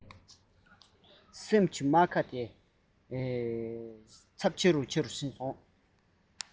སེམས ཀྱི རྨ ཁ ཇེ ཐུ དང ཇེ ཆེར གྱུར ཏེ